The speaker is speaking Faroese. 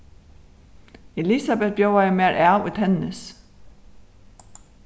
elisabet bjóðaði mær av í tennis